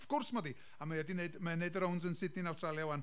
Wrth gwrs, mod i, a mae o 'di nweud, mae o'n wneud y rownds yn Sydney yn Awstralia ŵan.